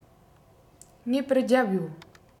ངེས པར བརྒྱབ ཡོད